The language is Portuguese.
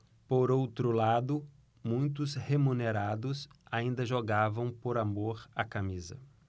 por outro lado muitos remunerados ainda jogavam por amor à camisa